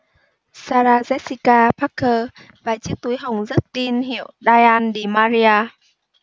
sarah jessica parker và chiếc túi hồng rất teen hiệu diane de maria